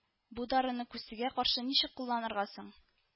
Бу даруны күсегә каршы ничек кулланырга соң